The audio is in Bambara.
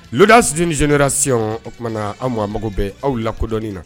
Dasidierasiɔn o tumaumana na an ma mago bɛɛ aw la kodɔni na